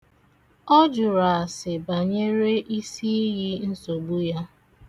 Ọ juru ase banyere isiiyi nsogbu ya.